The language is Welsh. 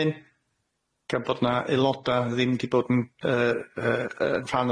hyn gan bod 'na aeloda' ddim 'di bod yn yy yy yy yn rhan